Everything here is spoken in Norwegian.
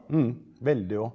ja veldig òg.